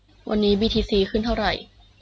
วันนี้บีทีซีขึ้นเท่าไหร่